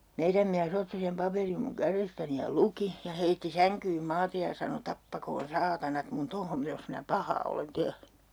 meidän mies otti sen paperin minun kädestäni ja luki ja heitti sänkyyn maate ja sanoi tappakoon saatanat minun tuohon jos minä pahaa olen tehnyt